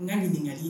Ŋa ɲiniŋali